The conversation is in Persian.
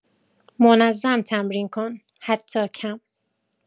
منظم تمرین کن، حتی کم.